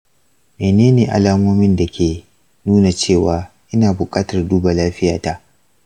mene ne alamomin da ke nuna cewa ina buƙatar duba lafiyata?